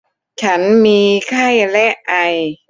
ฉันมีไข้และไอ